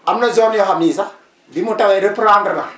am na zone yoo xam ni sax bi mu tawee reprendre na